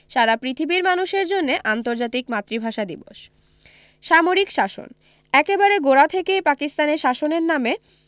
সারা পৃথিবীর মানুষের জন্যে আন্তর্জাতিক মাতৃভাষা দিবস সামরিক শাসন একেবারে গোড়া থেকেই পাকিস্তানে শাসনের নামে